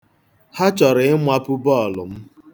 Ha chọrọ ịmapụ bọọlụ m.